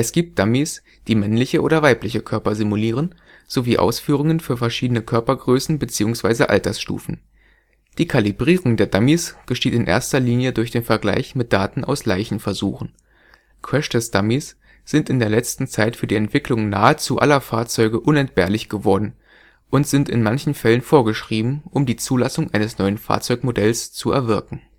gibt Dummies, die männliche oder weibliche Körper simulieren, sowie Ausführungen für verschiedene Körpergrößen bzw. Altersstufen. Die Kalibrierung der Dummies geschieht in erster Linie durch den Vergleich mit Daten aus Leichenversuchen. Crashtest-Dummies sind in der letzten Zeit für die Entwicklung nahezu aller Fahrzeuge unentbehrlich geworden und sind in manchen Fällen vorgeschrieben, um die Zulassung eines neuen Fahrzeugmodells zu erwirken